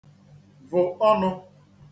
vụ̀ ọnụ̄